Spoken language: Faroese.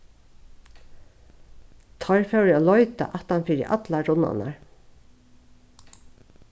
teir fóru at leita aftan fyri allar runnarnar